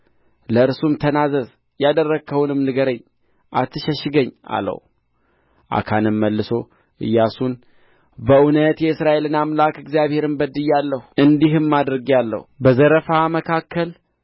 ለእርሱም ተናዘዝ ያደረግኸውንም ንገረኝ አትሸሽገኝ አለው አካንም መልሶ ኢያሱን በእውነት የእስራኤልን አምላክ እግዚአብሔርን በድያለሁ እንዲህና እንዲህም አድርጌአለሁ በዘረፋ መካከል